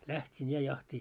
lähdin ja jahtiin